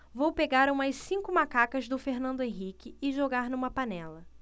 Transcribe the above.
vou pegar umas cinco macacas do fernando henrique e jogar numa panela